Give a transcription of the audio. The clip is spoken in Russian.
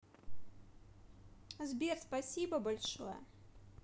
сбер спасибо большое